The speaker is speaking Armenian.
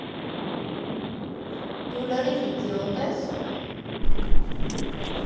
Դու լրիվ իձիոտ ե՞ս։